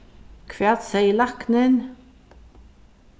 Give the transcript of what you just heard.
hvat segði læknin